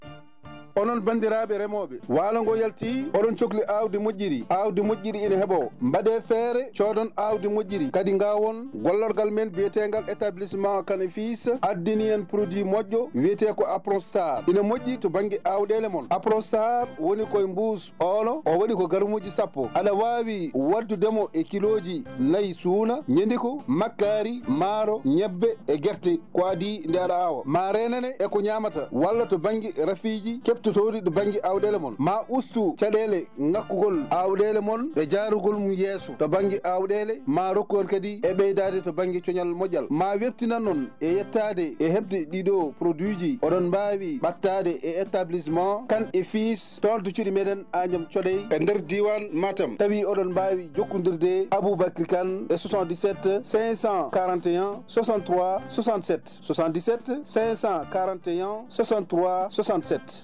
onon banndiraaɓe remooɓe waalo ngoo yaltii oɗon cohli aawdi moƴƴiri aawdi moƴƴiri ene heɓoo mbaɗee feere coodon aawdi moƴƴiri kadi gnaawon gollorgal men biyetegal établissement Kane et fils addani en produit moƴƴo wiyete ko aprostar ene moƴƴi to baŋnge aawɗeele mon aprostar woni koye mbus oolo o waɗi ko grammes uji sappo aɗa waawi waddude mo e kilos nayi suuna ñediko makkaari maaro ñebbe e gerte ko adii nde aɗa aawa ma reenane eko ñamata walla to baŋnge rafiiji kebtotooɗi ɗo baŋnge awɗeele mon ma ustu caɗeele ŋakkugol aawɗele mon e jaarugol mum yeeso to baŋnge aawɗele maaro ko kadi e ɓeydaade to baŋnge coñal moƴƴal ma weeɓtinan on e yettade e heɓde ɗii ɗoo produit ji oɗon mbaawi ɓattaade e établissement kane et fils toon to cuuɗi meɗen Agname Thiodaye e nder diwaan Matam tawi oɗon mbaawi jokkonndirde e Aboubacry kane e 77 541 63 67 , 77 541 63 67